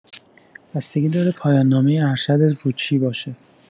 بستگی داره پایان‌نامه ارشدت رو چی باشه